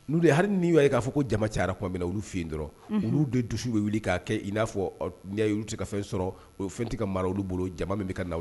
N'ulu ya hari n'u y'a ye k'a fɔ ko jama cayara kuma minna olu fe yen dɔrɔn unhun olu de dusu be wuli k'a kɛ i n'a fɔ ɔd n'i ya ye olu ti ka fɛn sɔrɔ o fɛn ti ka mara olu bolo jama min bɛ kana u